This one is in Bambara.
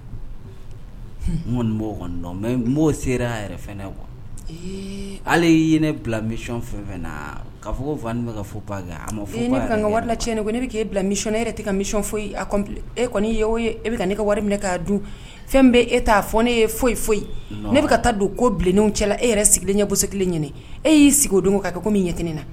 N b'o sera yɛrɛ ala'i ye ne bilamiy ka fɔ ka fɔ ne ka ka wari ne ne bɛ k e bilamiy ne e yɛrɛ tɛ kami foyi e kɔni e bɛ ne ka wari minɛ' dun fɛn bɛ e t ta fɔ ne ye fɔ foyi ne bɛ taa don ko bilennenw cɛla e yɛrɛ sigilen ɲɛ bo kelen ɲini e y'i sigi o don' kɛ ko min ɲɛt na